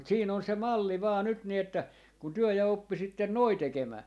mutta siinä on se malli vain nyt niin että kun te ja oppisitte noin tekemään